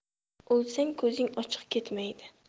o'lsang ko'zing ochiq ketmaydi